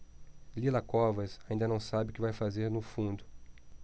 lila covas ainda não sabe o que vai fazer no fundo